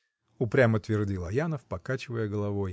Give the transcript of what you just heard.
— упрямо твердил Аянов, покачивая головой.